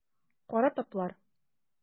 Кара таплар.